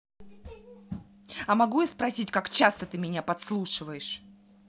а могу я спросить как часто ты меня подслушиваешь